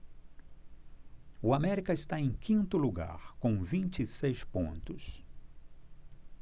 o américa está em quinto lugar com vinte e seis pontos